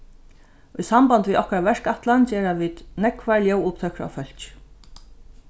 í sambandi við okkara verkætlan gera vit nógvar ljóðupptøkur av fólki